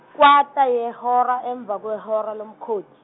kwata yehora emvakwehora lomkhothi.